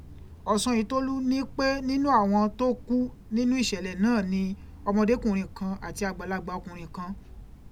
Ọ̀sanyìntólú ní pé nínú àwọn tó kú nínú ìṣẹ̀lẹ̀ náà ni ọmọdékùnrin kan àti àgbàlagbà ọkùnrin kan.